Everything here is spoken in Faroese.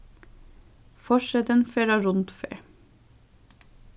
forsetin fer á rundferð